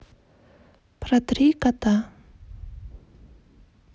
про три кота